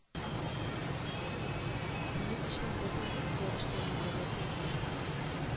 Минем өчен бернинди үзгәреш тә юк, гадәти көн